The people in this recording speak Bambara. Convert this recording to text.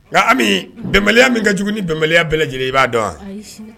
Nka ami bɛnya min ka jugu ni bɛnya bɛɛ lajɛlen i b'a dɔn wa